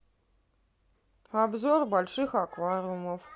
обзор больших аквариумов